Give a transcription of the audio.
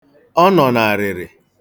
Ọ nọ n'arịrị.